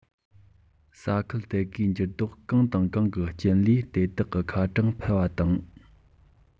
ས ཁུལ དེ གའི འགྱུར ལྡོག གང དང གང གི རྐྱེན ལས དེ དག གི ཁ གྲངས འཕེལ བ དང